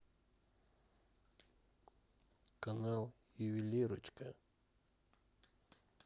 канал ювелирочка